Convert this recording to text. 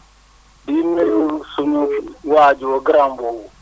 di nuyu suñu waa joo grand boobu